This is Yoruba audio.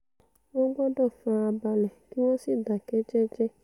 Wọ́n gbọ́dọ̀ farabalẹ̀ kí wọ́n sì dákẹ́jẹ́jẹ́.''